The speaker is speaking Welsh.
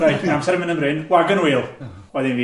Reit, ma amser i mynd yn fryn, wagon wheel oedd un fi.